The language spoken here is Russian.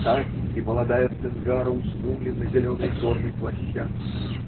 Царь и молодая цингара уснули на зеленой горной площадке.